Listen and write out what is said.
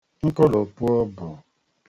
nkolòpuobù